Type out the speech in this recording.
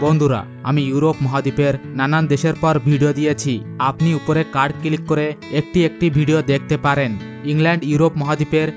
বন্ধুরা আমি ইউরোপ মহাদ্বীপের এর নানান দেশের পর ভিডিও দিয়েছি আপনি উপরের কার ক্লিক করে একটি একটি করে ভিডিও দেখতে পারেন ইংল্যান্ড ইউরোপ মহা দ্বীপের